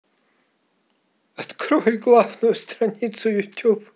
открой главную страницу ютуб